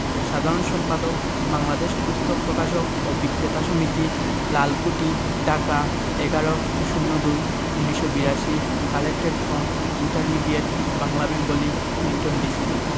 সাধারণ সম্পাদক বাংলাদেশ পুস্তক প্রকাশক ও বিক্রেতা সমিতি লালকুঠি ঢাকা ১১/০২/১৯৮২ collected from intermediate Bangla Bengali Clinton B Seely